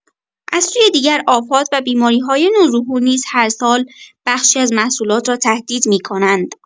از سوی دیگر، آفات و بیماری‌های نوظهور نیز هر سال بخشی از محصولات را تهدید می‌کنند.